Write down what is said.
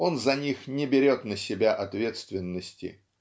он за них не берет на себя ответственности.